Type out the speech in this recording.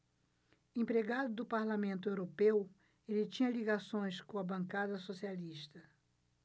empregado do parlamento europeu ele tinha ligações com a bancada socialista